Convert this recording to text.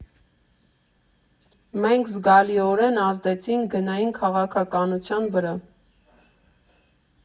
Մենք զգալիորենազդեցինք գնային քաղաքականության վրա։